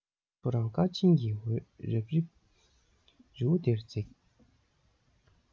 ཐོ རངས སྐར ཆེན གྱི འོད རབ རིབ རི བོ འདིར འཛེགས